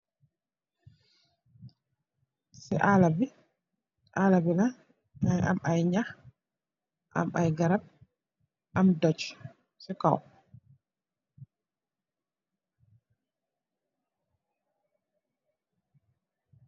Ci ala bi, ala bi nak mugii am ay ñax am ay garap am doc ci kaw.